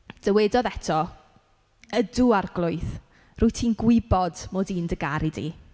Dywedodd eto Ydw, Arglwydd. Rwyt ti'n gwybod mod i'n dy garu di.